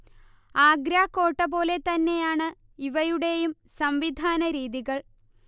ആഗ്രാകോട്ടപോലെ തന്നെയാണ് ഇവയുടെയും സംവിധാനരീതികൾ